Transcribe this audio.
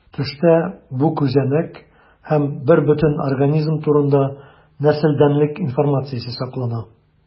Төштә бу күзәнәк һәм бербөтен организм турында нәселдәнлек информациясе саклана.